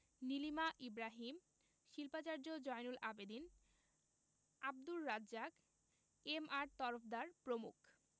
নীলিমা ইব্রাহীম শিল্পাচার্য জয়নুল আবেদীন আবদুর রাজ্জাক এম.আর তরফদার প্রমুখ